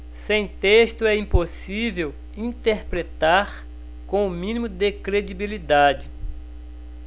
sem texto é impossível interpretar com o mínimo de credibilidade